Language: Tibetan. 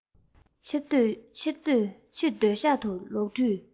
ཕྱིར སྡོད ཤག ཏུ ལོག དུས